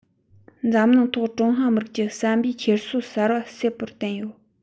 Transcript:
འཛམ གླིང ཐོག ཀྲུང ཧྭ མི རིགས ཀྱི བསམ པའི འཁྱེར སོ གསར པ གསལ པོར བསྟན ཡོད